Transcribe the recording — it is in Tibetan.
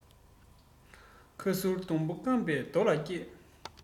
ཁ སུར སྡོང པོ སྐམ པོའི རྡོ ལ སྐྱེས